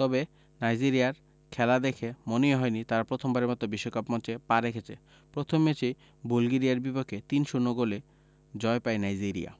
তবে নাইজেরিয়ার খেলা দেখে মনেই হয়নি তারা প্রথমবারের মতো বিশ্বকাপের মঞ্চে পা রেখেছে প্রথম ম্যাচেই বুলগেরিয়ার বিপক্ষে ৩ ০ গোলে জয় পায় নাইজেরিয়া